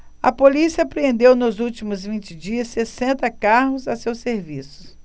a polícia apreendeu nos últimos vinte dias sessenta carros a seu serviço